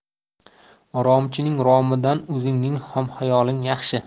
romchining romidan o'zingning xomxayoling yaxshi